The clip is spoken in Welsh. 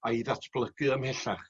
a'i ddatblygu ymhellach.